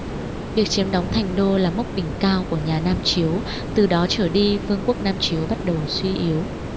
việc chiếm đóng thành đô là mốc đỉnh cao của nhà nam chiếu từ đó trở đi vương quốc nam chiếu bắt đầu suy yếu